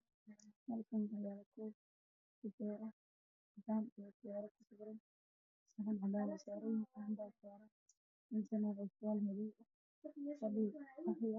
Meshan waxaa yaalo saxan cadaan ah waxaa dusha ka saaran bakeeri uu ku jiro shah